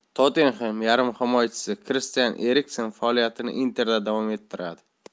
tottenhem yarim himoyachisi kristian eriksen faoliyatini inter da davom ettiradi